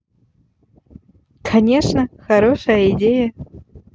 конечно хорошая идея